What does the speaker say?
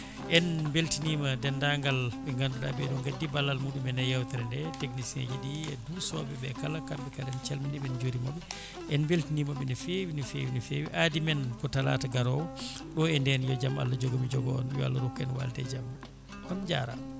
en beltinima dendagal ɓe ganduɗa gaddi ballal muɗumen e yewtere nde technicien ji e duusoɓeɓe kala kamɓe kala en calminiɓe jurimoɓe en beltinamaɓe no fewi no fewi no fewi aadi men ko talata garowo ɗo e nden yo jaam Allah jogomi joogo on yo Allah rokku en walde e jaam on jarama